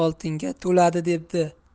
oltinga to'ladi debdi